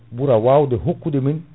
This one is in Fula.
ɓura wawde hokkude min